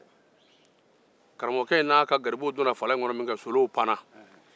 karamɔgɔkɛ n'a ka garibuw donna fala kɔnɔ min ke solow panna